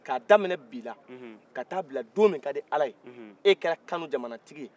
ka daminɛ bila ka ta bila don min kadi ala ye e kɛra kanu jamana tigiye